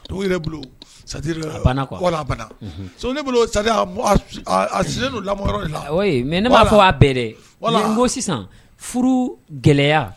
Dugu ne mɛ ne b'a fɔ a bɛɛ ko sisan furu gɛlɛyaya